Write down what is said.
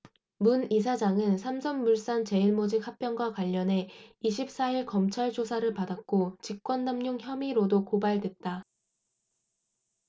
문 이사장은 삼성물산 제일모직 합병과 관련해 이십 사 일 검찰 조사를 받았고 직권남용 혐의로도 고발됐다